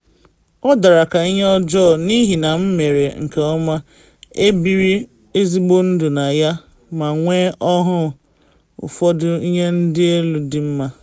Ọ dara ka ihe ọjọọ n’ihi na m mere nke ọma, ebiri ezigbo ndụ na ya, ma nwee ọhụụ ụfọdụ ihe ndị elu dị mma.